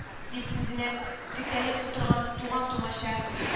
Дип, үзенә текәлеп утырган туган-тумача